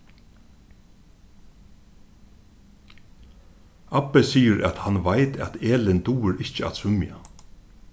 abbi sigur at hann veit at elin dugir ikki at svimja